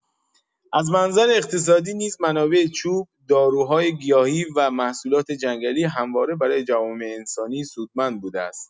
از منظر اقتصادی نیز منابع چوب، داروهای گیاهی و محصولات جنگلی همواره برای جوامع انسانی سودمند بوده است.